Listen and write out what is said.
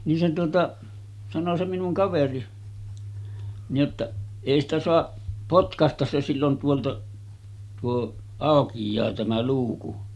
niin se tuota sanoi se minun kaveri niin jotta ei sitä saa potkaista se silloin tuolta tuo aukeaa tämä luukku